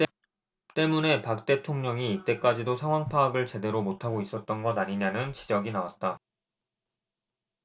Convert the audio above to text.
때문에 박 대통령이 이때까지도 상황 파악을 제대로 못하고 있었던 것 아니냐는 지적이 나왔다